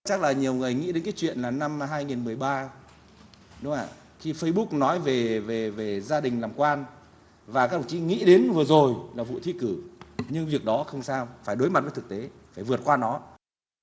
chắc là nhiều người nghĩ đến chuyện là năm hai nghìn mười ba đúng không ạ khi phây búc nói về về về gia đình làm quan và các đồng chí nghĩ đến vừa rồi là vụ thi cử nhưng việc đó không sao phải đối mặt với thực tế phải vượt qua nó